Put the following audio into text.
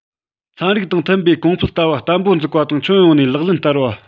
ཚན རིག དང མཐུན པའི གོང འཕེལ ལྟ བ བརྟན པོ འཛུགས པ དང ཁྱོན ཡོངས ནས ལག ལེན བསྟར བ